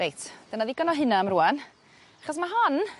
Reit dyna ddigon o hynna am rŵan 'chos ma' hon